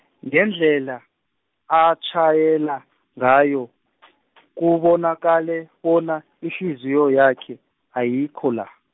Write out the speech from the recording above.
ngendlela, atjhayela, ngayo , kubonakale bona, ihliziywakhe, ayikho la.